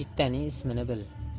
bittaning ismini bil